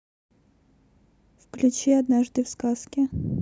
включи однажды в сказке